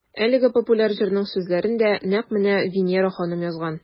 Әлеге популяр җырның сүзләрен дә нәкъ менә Винера ханым язган.